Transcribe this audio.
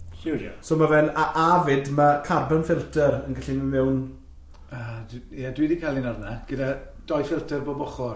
Jiw jiw. So ma' fe'n a- a-fyd ma' carbon filter yn gallu mynd mewn yy dwi- ie dwi di cael un arna gyda doi ffilter bob ochr.